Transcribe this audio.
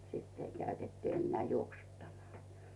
sitten ei käytetty enää juoksuttamalla